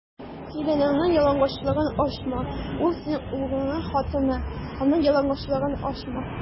Киленеңнең ялангачлыгын ачма: ул - синең углыңның хатыны, аның ялангачлыгын ачма.